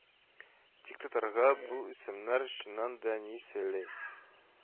Тик татарга бу исемнәр чыннан да ни сөйли